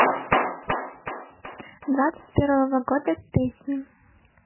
двадцать первого года песни